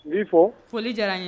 N b'i fɔ foli diyara n ye